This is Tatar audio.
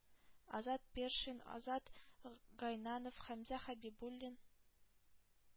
Азат Першин, Азат Гайнанов, Хәмзә Хәбибуллин,